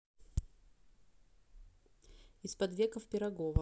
из под веков пирогова